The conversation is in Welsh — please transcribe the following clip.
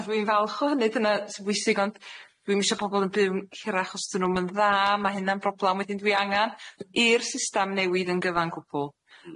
A dwi'n falch o hynny dyna sy'n bwysig ond dwi'm isio pobol yn byw'n hirach os 'dyn nw'm yn dda ma' hynna'n broblam wedyn dwi angan i'r system newid yn gyfan gwbwl.